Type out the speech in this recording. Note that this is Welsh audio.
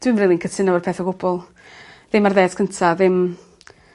Dwi'm rili'n cytuno efo'r peth o gwbwl. Ddim ar ddêt cynta ddim